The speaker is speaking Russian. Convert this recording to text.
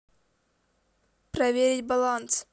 проверить баланс